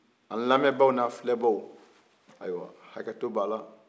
an lamɛnbagaw n'an filɛbagaw ayiwa hakɛto b'a la